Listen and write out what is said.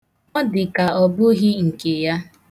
Ọ dịka ọ bụghị nke ya.